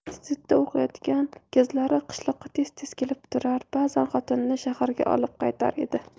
institutda o'qiyotgan kezlari qishloqqa tez tez kelib turar bazan xotinini shaharga olib qaytar edi